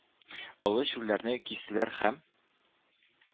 Олы чүлләрне кичтеләр һәм